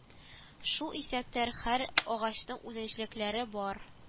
Шул исәптәр һәр агачның үзенчәлекләре бар